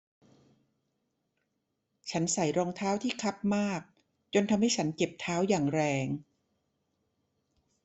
ฉันใส่รองเท้าที่คับมากจนทำให้ฉันเจ็บเท้าอย่างแรง